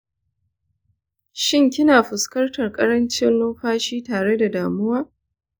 shin kina fuskantar ƙarancin numfashi tare da damuwa?